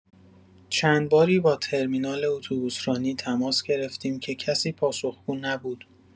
چند باری با ترمینال اتوبوسرانی تماس گرفتیم که کسی پاسخگو نبود.